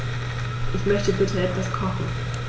Ich möchte bitte etwas kochen.